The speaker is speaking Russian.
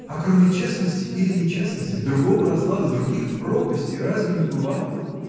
— А кроме честности или нечестности, другого разлада, других пропастей разве не бывает?